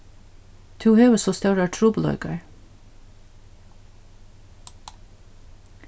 tú hevur so stórar trupulleikar